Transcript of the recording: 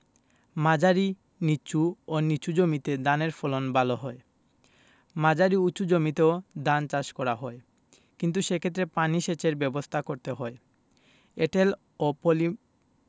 মাঝারি নিচু ও নিচু জমিতে ধানের ফলন ভালো হয় মাঝারি উচু জমিতেও ধান চাষ করা হয় কিন্তু সেক্ষেত্রে পানি সেচের ব্যাবস্থা করতে হয় এঁটেল ও পলি